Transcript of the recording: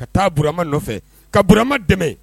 Ka taa burama nɔfɛ ka burama dɛmɛ